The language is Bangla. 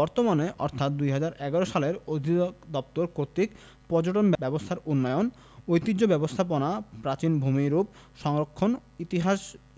বর্তমানে অর্থাৎ ২০১১ সালের অধিদপ্তর কর্তৃক পর্যটন ব্যবস্থার উন্নয়ন ঐতিহ্য ব্যবস্থাপনা প্রাচীন ভূমিরূপ সংরক্ষণ